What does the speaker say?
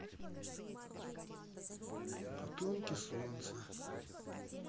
потомки солнца